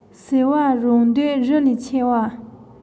ཟེར བ རང འདོད རི ལས ཆེ བ